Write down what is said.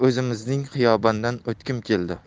o'zimizning xiyobondan o'tgim keldi